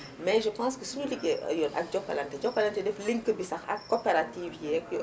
mais je pense que suñu liggéey ak yéen ak Jokalante Jokalante def link bi sax ak coopérative yeek yooyu